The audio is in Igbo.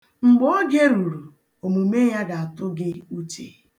Mgbe oge ruru, omume ya ga-atụ gị uche.